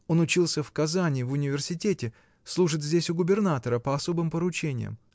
Он учился в Казани, в университете, служит здесь у губернатора, по особым поручениям.